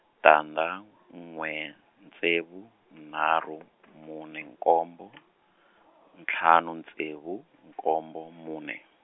tandza , n'we, ntsevu, nharhu, mune nkombo , ntlhanu ntsevu, nkombo mune.